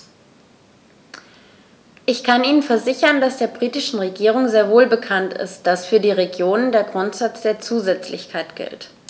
Ich kann Ihnen versichern, dass der britischen Regierung sehr wohl bekannt ist, dass für die Regionen der Grundsatz der Zusätzlichkeit gilt.